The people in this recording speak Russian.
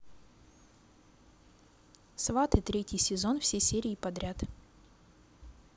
сваты третий сезон все серии подряд